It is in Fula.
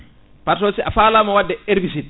par: ce si a faalama wadde herbicide